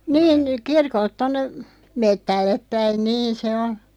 niin kirkolta tuonne metsälle päin niin se on